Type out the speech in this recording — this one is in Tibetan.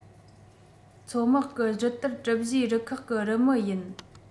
མཚོ དམག གི རུ སྟར གྲུ བཞིའི རུ ཁག གི རུ མི ཡིན